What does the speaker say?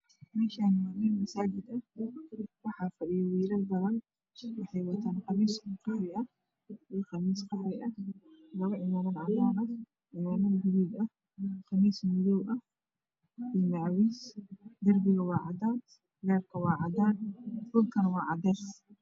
Meeshaan waa meel masaajid ah waxaa fadhiyo wiilal badan waxay wataan qamiis madow ah iyo qamiis qaxwi ah labana cimaamad cadaan ah fanaanad gaduud ah qamiis madow ah iyo macawis darbiga waa cadaan leyrka waa cadaan dhulkuna waa cadeys.